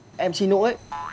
em xin lỗi